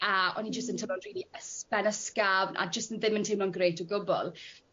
a o'n i jyst yn teimlo'n rili ys- ben ysgafn a jyst yn ddim yn teimlo'n great o gwbwl